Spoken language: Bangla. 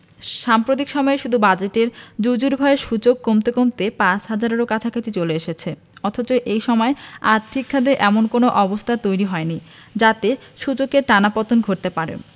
সাম্প্রতিক সময়ে শুধু বাজেটের জুজুর ভয়ে সূচক কমতে কমতে ৫ হাজারের কাছাকাছি চলে এসেছে অথচ এ সময়ে আর্থিক খাতে এমন কোনো অবস্থা তৈরি হয়নি যাতে সূচকের টানা পতন ঘটতে পারে